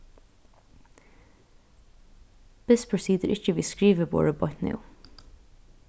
bispur situr ikki við skriviborðið beint nú